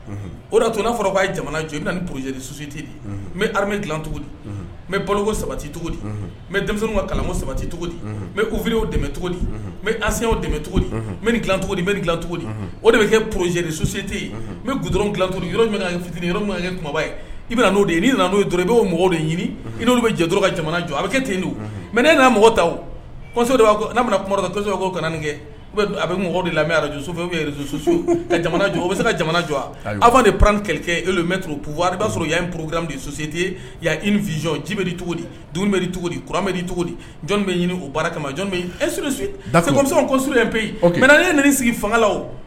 O da tun n'a fɔra' jamana i pzerite ha dilako sabati cogodi denmisɛn ka kalanku sabati cogodi mɛ ufiri dɛmɛ cogodi mɛzw dɛmɛ cogo tuguni bɛ dila cogo o de bɛ kɛ porozeri sute mɛ gd dilatu yɔrɔ minfit yɔrɔ minba ye i n'o de ye ni nana' dɔrɔn i bɛ' mɔgɔw de ɲini n'olu bɛ jan dɔrɔn ka jamana jɔ a bɛ kɛ ten don mɛ ne n'a mɔgɔw tasɔ kumadasɛbɛ kana nin kɛ a bɛ ni lamɛn arajsufɛ bɛ dusususu ka jamana jɔ o bɛ se ka jamana jɔ aw b' de p pankɛkɛ e bɛ turp b'a sɔrɔ y' porok soti izɔn ji bɛri cogo dunun bɛri cogodiri cogo jɔn bɛ ɲini o baara kama asɔ ko suur pe yen ne ni sigi fangalaw